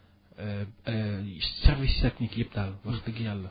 service services yépp daal wax dëgg Yàlla